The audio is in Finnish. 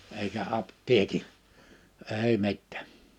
eikä apteekin ei mitään